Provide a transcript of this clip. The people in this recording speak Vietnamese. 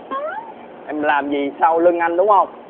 em làm gì sau lưng anh đúng hông